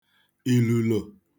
ilulo